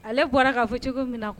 Ale bɔra ka fɔ cogo min kuwa